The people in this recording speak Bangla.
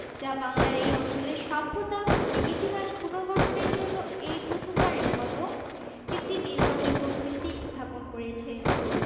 যা বাংলার এই অঞ্চলের সভ্যতা ও ইতিহাস পুনর্গঠনের জন্য এই প্রথমবারের মত একটি নির্ভরযোগ্য ভিত্তি স্থাপন করেছে